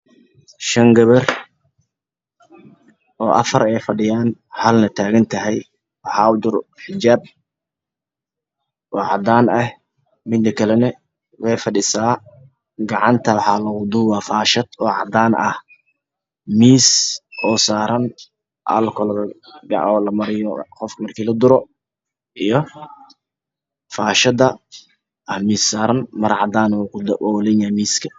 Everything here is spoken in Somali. Meeshan laba gabdhood ayaa iga muuqdo